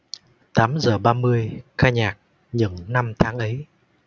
tám giờ ba mươi ca nhạc những năm tháng ấy